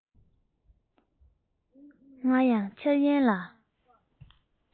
ང ཡང འཆར ཡན ལ